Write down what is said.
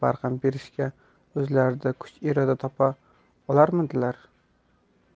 barham berishga o'zlarida kuch iroda topa olarmidilar